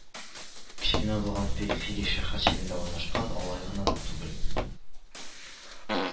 Кечкенә булган периферий шәһәрчегендә урнашкан, алай гына да түгел,